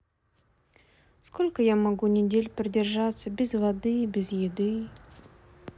сколько я могу недель продержаться без воды без еды